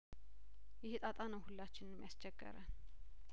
ይኸ ጣጣ ነው ሁላችንንም ያስቸገረን